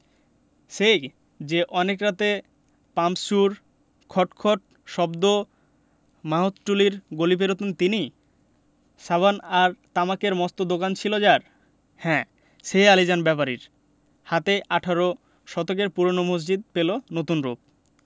সেই যে অনেক রাতে পাম্পসুর খট খট শব্দ মাহুতটুলির গলি পেরুতেন তিনি সাবান আর তামাকের মস্ত দোকান ছিল যার হ্যাঁ সেই আলীজান ব্যাপারীর হাতেই আঠারো শতকের পুরোনো মসজিদ পেলো নতুন রুপ